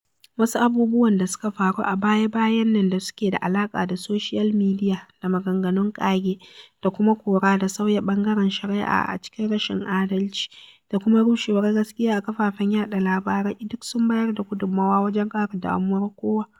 Wasu abubuwan da suka faru a baya-bayan nan da suke da alaƙa da soshiyal midiya da maganganun ƙage da kuma kora da sauya ɓangaren shari'a a cikin rashin adalci da kuma rushewar gaskiya a kafafen yaɗa labarai duk sun bayar da gudummawa wajen ƙara damuwar kowa.